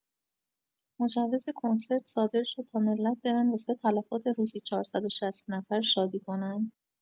مجوز کنسرت صادر شد تا ملت برن واسه تلفات روزی ۴۶۰ نفر شادی کنن؟